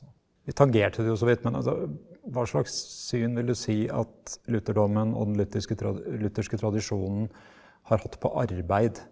vi tangerte det jo så vidt men altså hva slags syn vil du si at lutherdommen og den lutherske lutherske tradisjonen har hatt på arbeid?